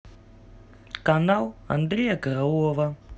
канал андрея караулова